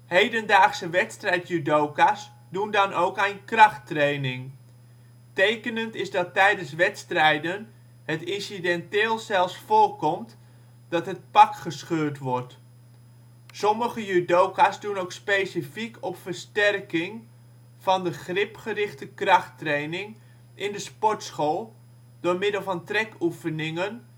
Hedendaagse wedstrijd-judoka 's doen dan ook aan krachttraining. Tekenend is dat tijdens wedstrijden het incidenteel zelfs voorkomt dat de gi (het pak) gescheurd wordt. Sommige judoka 's doen ook specifiek op versterking van de grip gerichte krachttraining in de sportschool, door middel van trekoefeningen